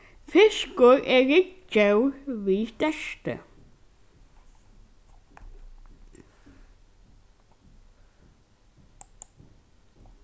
fiskur er ryggdjór við sterti